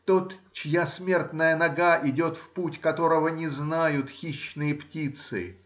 тот, чья смертная нога идет в путь, которого не знают хищные птицы